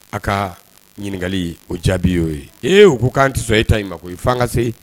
A ka ɲininkakali o jaabi y'o ye ee u ko'an tɛ sɔn e ta in ma ko ye fangakase